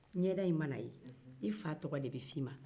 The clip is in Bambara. i ɲɛda in mana ye i fa tɔgɔ de bɛ fo i ma